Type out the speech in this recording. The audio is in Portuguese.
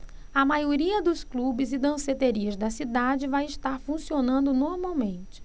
a maioria dos clubes e danceterias da cidade vai estar funcionando normalmente